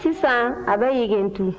sisan a bɛ yegentu